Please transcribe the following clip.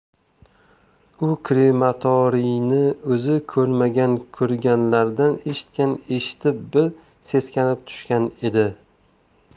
u krematoriyni o'zi ko'rmagan ko'rganlardan eshitgan eshitib bir seskanib tushgan edi